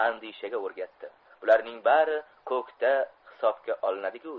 andishaga o'rgatdi bularning bari ko'kda hisobga olinadi ku